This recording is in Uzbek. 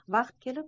vaqt kelib